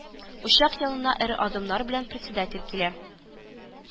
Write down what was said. Учак янына эре адымнар белән председатель килә